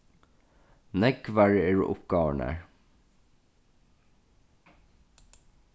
nógvar eru uppgávurnar